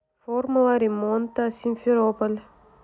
формула ремонта симферополь